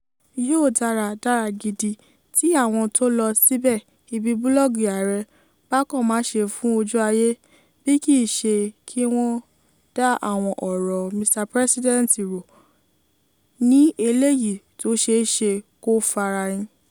Yóò dára, dára gidi, tí àwon tó lọ síbẹ̀ (ibi búlọ́ọ̀gù Aàrẹ) bá kàn má ṣeé fún "ojú ayé" bí kii ṣe Kí wọ́n dá àwọn ọ̀rọ̀ Mr President rò ní eléyìí tó ṣeé ṣe kó "fara in".